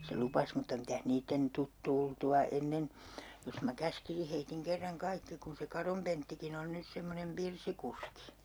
se lupasi mutta mitäs niiden tule tultua ennen jos minä käskisin heidän kerran kaikki kun se Karon Penttikin on nyt semmoinen pirssikuski